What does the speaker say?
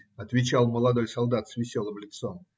отвечал молодой солдат с веселым лицом.